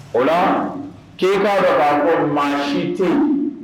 O ke'a dɔ ko maa si tɛ